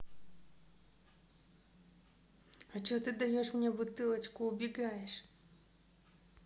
а че ты даешь мне бутылочку убегаешь